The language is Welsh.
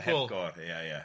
Hepgor, ia ia.